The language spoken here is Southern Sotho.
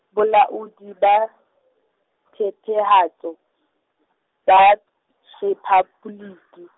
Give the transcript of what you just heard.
Bolaodi ba, Phethahatso, ba Rephaboliki.